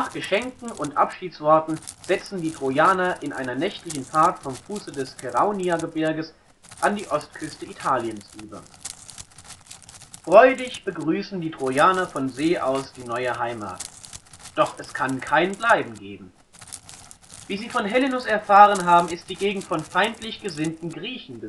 Geschenken und Abschiedsworten setzen die Trojaner in einer nächtlichen Fahrt vom Fuße des Kerauniagebirges an die Ostküste Italiens über. Freudig begrüßen die Trojaner von See aus die neue Heimat. Doch es kann kein Bleiben geben: Wie sie von Helenus erfahren haben, ist die Gegend von feindlich gesinnten Griechen